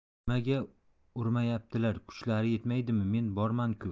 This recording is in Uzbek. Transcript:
nimaga urmayaptilar kuchlari yetmaydimi men borman ku